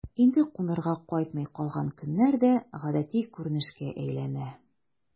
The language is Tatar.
Инде кунарга кайтмый калган көннәр дә гадәти күренешкә әйләнә...